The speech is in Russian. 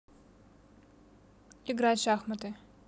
играть в шахматы